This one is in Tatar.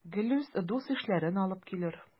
Гелүс дус-ишләрен алып килер.